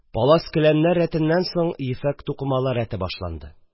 Палас-келәмнәр рәтеннән соң ефәк тукымалар рәте башланды.